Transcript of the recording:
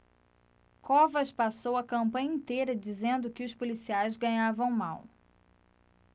covas passou a campanha inteira dizendo que os policiais ganhavam mal